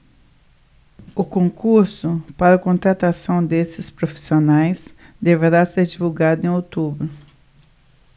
o concurso para contratação desses profissionais deverá ser divulgado em outubro